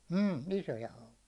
mm isoja haukia